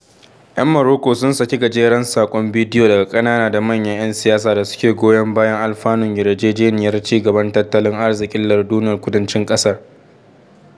Yan Marocco sun saki gajeran saƙon bidiyo daga ƙanana da manyan 'yan siyasa da suke goyon bayan alfanun yarjejeniyar ci-gaban tattalin arzikin ''lardunan kudancin'' ƙasar.